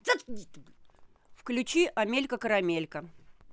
включи амелька карамелька